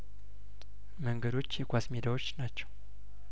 መንገዶች የኳስ ሜዳዎች ናቸው